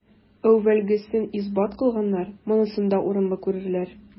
Әүвәлгесен исбат кылганнар монысын да урынлы күрерләр.